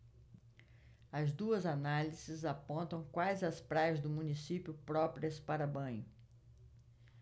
as duas análises apontam quais as praias do município próprias para banho